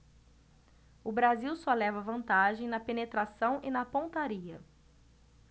o brasil só leva vantagem na penetração e na pontaria